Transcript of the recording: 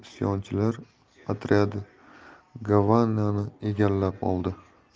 isyonchilar otryadi gavanani egallab oldi